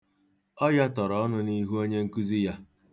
Ọ yatọrọ ọnụ n'ihu onyenkụzi ya.